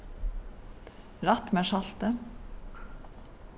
rætt mær saltið